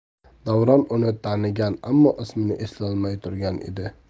davron uni tanigan ammo ismini eslolmay turgan edi